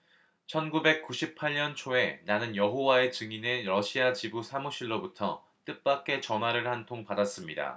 천 구백 구십 팔 년 초에 나는 여호와의 증인의 러시아 지부 사무실로부터 뜻밖의 전화를 한 통 받았습니다